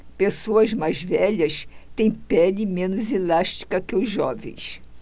pessoas mais velhas têm pele menos elástica que os jovens